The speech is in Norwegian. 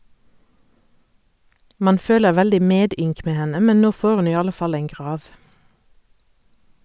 Man føler veldig medynk med henne, men nå får hun i alle fall en grav.